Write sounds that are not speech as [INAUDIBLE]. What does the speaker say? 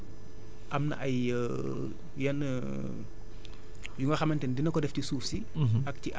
ba pare am na ay [HESITATION] yenn [HESITATION] yu nga xamante ni dina ko def ci suuf si